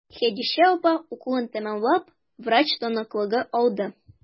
Хәдичә апа укуын тәмамлап, врач таныклыгы алды.